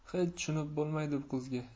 hech tushunib bo'lmaydi bu qizga